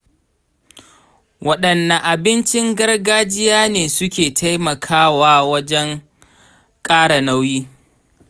wadanne abincin gargajiya ne suke taimaka wa wajen ƙara nauyi?